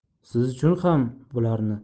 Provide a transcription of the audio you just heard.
siz uchun ham bularni biror